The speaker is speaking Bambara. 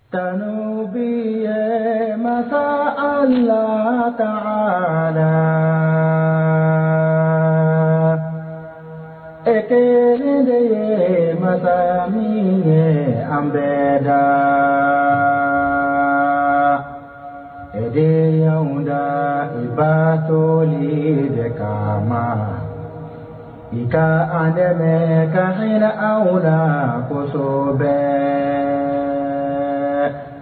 San bɛyan mansa an lala ka la ɛkɛ le ye mansa min an bɛ lada batɔ le de ka ma nka ka a dɛmɛ ka an la koso kosɛbɛ